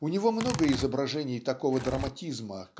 У него много изображений такого драматизма